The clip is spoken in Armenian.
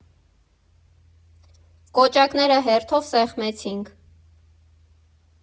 Կոճակները հերթով սեղմեցինք։